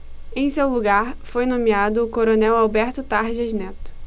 em seu lugar foi nomeado o coronel alberto tarjas neto